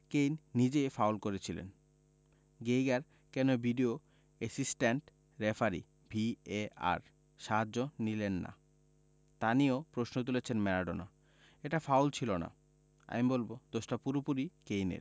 Kane নিজেই foul করেছিলেন Geiger কেন ভিডিও অ্যাসিস্ট্যান্ট রেফারি ভিএআর সাহায্য নিলেন না তা নিয়েও প্রশ্ন তুলেছেন ম্যারাডোনা এটা ফাউল ছিল না আমি বলব দোষটা পুরোপুরি কেইনের